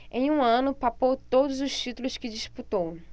em um ano papou todos os títulos que disputou